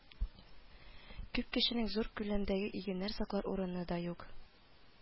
Күп кешенең зур күләмдәге игенне саклар урыны да юк